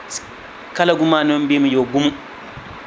kala gumano mbimi yo gum